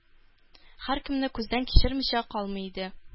Һәркемне күздән кичермичә калмый иде.